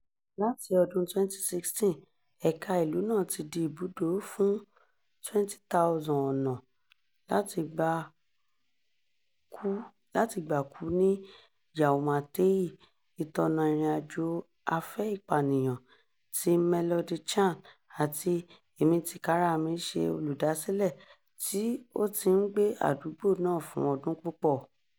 Láti ọdún-un 2016, ẹ̀ka- ìlú náà ti di ibùdó fún "20,000 ọ̀nà láti gbà kú ní Yau Ma Tei", ìtọ́nà "ìrìnàjò afẹ́ ìpànìyàn" tí Melody Chan àti èmitìkarami ṣe olùdásílẹ̀, tí ó ti ń gbé àdúgbò náà fún ọdún púpọ̀.